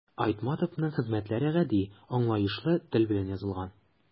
Айтматовның хезмәтләре гади, аңлаешлы тел белән язылган.